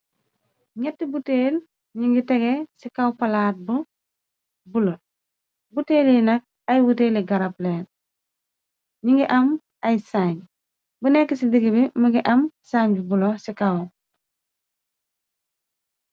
Nyetti buteel ñu ngi tege ci kaw palaat bi bulo buteel yi nak ay wuteeli garableen ñu ngi am ay sign bu nekk ci dig bi mëngi am sign bu bulo ci kaw.